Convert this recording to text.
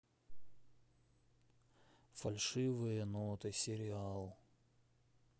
фальшивые ноты сериал